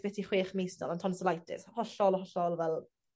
byti chwech mis nôl on' tonsilitis hollol hollol fel